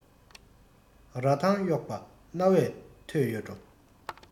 ར ཐང གཡོགས པ རྣ བས ཐོས ཡོད འགྲོ